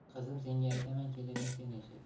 qizim senga aytaman kelinim sen eshit